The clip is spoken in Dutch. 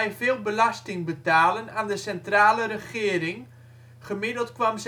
veel belasting betalen aan de centrale regering, gemiddeld kwam